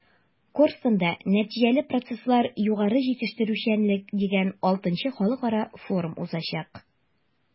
“корстон”да “нәтиҗәле процесслар-югары җитештерүчәнлек” дигән vι халыкара форум узачак.